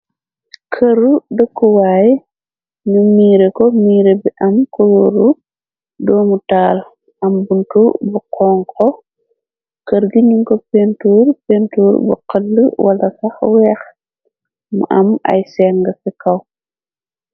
Kërr dëkku waay nyu miire ko. Miire bi am kulóoru doomu taal. Am buntu bu xonk. Kërr gi nyun ko pentur. Pentur bu xël wala sax weex. Mu am ay seng ci kaw.